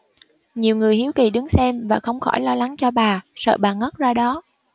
nhiều người hiếu kỳ đứng xem và không khỏi lo lắng cho bà sợ bà ngất ra đó